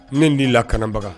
Ne n t'i lakanabaga